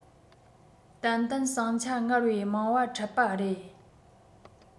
ཏན ཏན ཟིང ཆ སྔར བས མང བ འཕྲད པ རེད